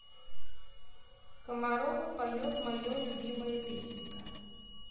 комарово поет мое любимое песенка